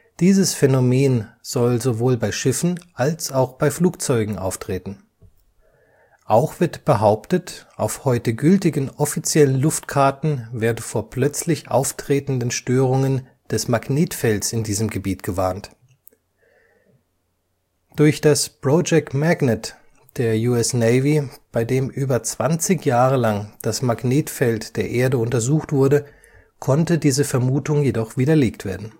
Dieses Phänomen soll sowohl bei Schiffen als auch bei Flugzeugen auftreten. Auch wird behauptet, auf heute gültigen offiziellen Luftkarten werde vor plötzlich auftretenden Störungen des Magnetfelds in diesem Gebiet gewarnt. Durch das Project Magnet der US Navy, bei dem über 20 Jahre lang das Magnetfeld der Erde untersucht wurde, konnte diese Vermutung jedoch widerlegt werden